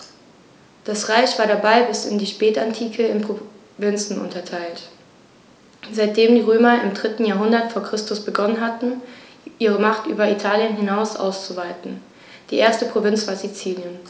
Das Reich war dabei bis in die Spätantike in Provinzen unterteilt, seitdem die Römer im 3. Jahrhundert vor Christus begonnen hatten, ihre Macht über Italien hinaus auszuweiten (die erste Provinz war Sizilien).